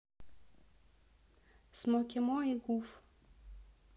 смоки мо и гуф